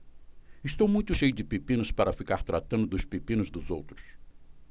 estou muito cheio de pepinos para ficar tratando dos pepinos dos outros